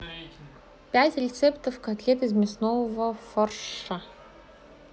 пять рецептов котлет из мясного фарша